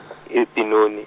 e- Binoni.